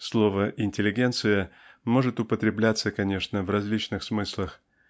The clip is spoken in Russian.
Слово "интеллигенция" может употребляться конечно в различных смыслах.